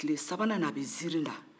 tile sabana na a bɛ ziiri da